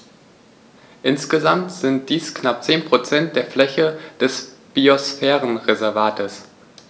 Insgesamt sind dies knapp 10 % der Fläche des Biosphärenreservates.